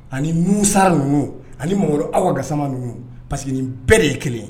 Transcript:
Anisa ninnu ani mamadu aw dasa ninnu parce que nin bɛɛ de ye kelen